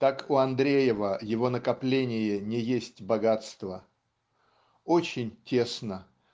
так у Андреева его накопление не есть богатство. Очень тесно